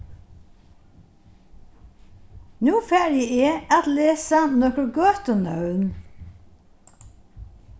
nú fari eg at lesa nøkur gøtunøvn